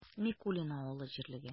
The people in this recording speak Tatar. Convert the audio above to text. Микулино авыл җирлеге